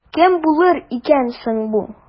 Кем булыр икән соң бу?